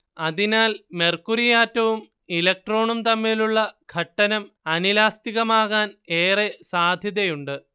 അതിനാൽ മെർക്കുറി ആറ്റവും ഇലക്ട്രോണും തമ്മിലുള്ള ഘട്ടനം അനിലാസ്തികമാകാൻ ഏറെ സാധ്യതയുണ്ട്